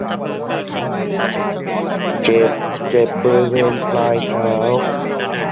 เจ็บเจ็บบริเวณปลายเท้า